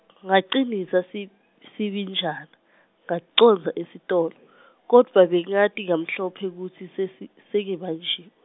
Ngacinisa si- sibinjana, ngacondza esitolo, kodvwa bengati kamhlophe kutsi sesi- sengibanjiwe.